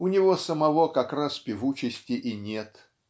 у него самого как раз певучести и нет